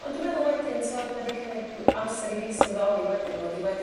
ond dwi'n meddwl wedyn t'od ma' 'di cymryd amser i fi sylweddoli wedyn mod i wedi